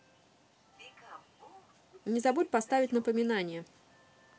не забудь поставить напоминание